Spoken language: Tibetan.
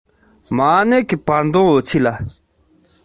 ཟང ཟིང གི སྟོན ཀ རིམ གྱིས